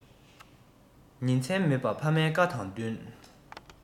ཉིན མཚན མེད པ ཕ མའི བཀའ དང བསྟུན